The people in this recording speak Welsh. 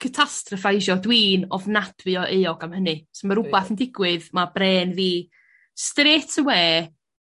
cytastryffaisio dwi'n ofnadwy o euog am hynny. 'S ma' rwbath yn digwydd ma' brên fi strêt awe